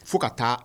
Fo ka taa